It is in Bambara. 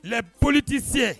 Boli tɛ se